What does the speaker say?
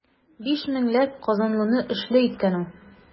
Биш меңләп казанлыны эшле иткән ул.